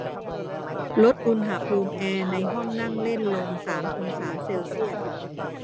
ลดอุณหภูมิแอร์ในห้องนั่งเล่นลงสามองศาเซลเซียส